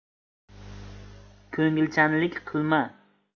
ko'ngilchanlik qilma